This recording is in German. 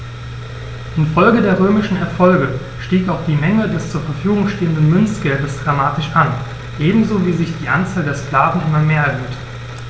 Infolge der römischen Erfolge stieg auch die Menge des zur Verfügung stehenden Münzgeldes dramatisch an, ebenso wie sich die Anzahl der Sklaven immer mehr erhöhte.